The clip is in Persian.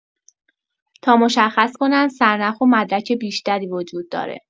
تا مشخص کنن سرنخ و مدرک بیشتری وجود داره